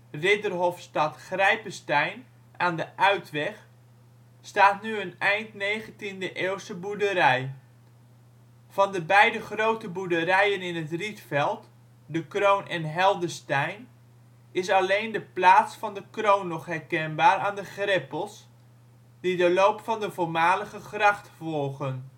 Ridderhofstad Grijpesteijn aan de Uitweg staat nu een eind 19de eeuwse boerderij. Van de beide grote boerderijen in het Rietveld (De Croon en Heldenstein) is alleen de plaats van de Croon nog herkenbaar aan de greppels, die de loop van de voormalige gracht volgen